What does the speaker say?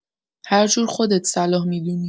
هر جور خودت صلاح می‌دونی.